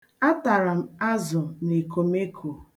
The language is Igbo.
Atara m azụ na ekomeko.